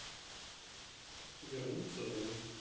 вернуться домой